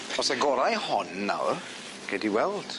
Os agora'i hon nawr. Gei di weld.